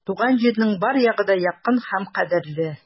Туган җирнең бар ягы да якын һәм кадерле.